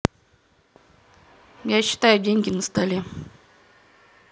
я считаю деньги на столе